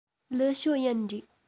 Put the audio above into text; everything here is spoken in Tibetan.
ལིའི ཞའོ ཡན རེད